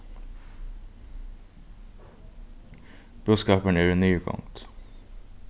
búskapurin er í niðurgongd